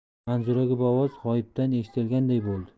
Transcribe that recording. manzuraga bu ovoz g'oyibdan eshitilganday bo'ldi